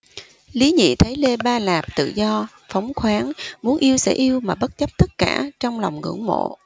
lý nhị thấy lê ba lạp tự do phóng khoáng muốn yêu sẽ yêu mà bất chấp tất cả trong lòng ngưỡng mộ